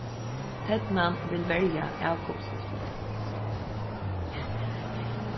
ternan vil verja avkom sítt